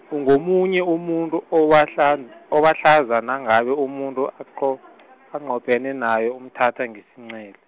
ungomunye umuntu owahlan- obahlaza nangabe umuntu aqo-, anqophene naye, umthatha ngesinqele.